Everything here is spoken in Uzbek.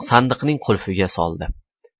sandiqning qulfiga soldi